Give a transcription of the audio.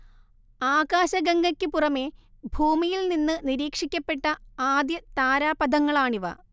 ആകാശഗംഗയ്ക്ക് പുറമെ ഭൂമിയിൽ നിന്ന് നിരീക്ഷിക്കപ്പെട്ട ആദ്യ താരാപഥങ്ങളാണിവ